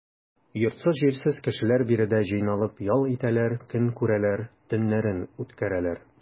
Йортсыз-җирсез кешеләр биредә җыйналып ял итәләр, көн күрәләр, төннәрен үткәрәләр.